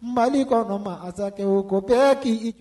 Mali kɔnɔ masakɛw ko bɛɛ k'i